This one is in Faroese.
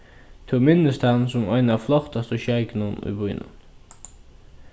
tú minnist hann sum ein av flottastu sjeikunum í býnum